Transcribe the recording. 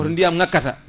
ko to ndiyam ngakkata